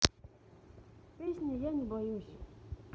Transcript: песня я не боюсь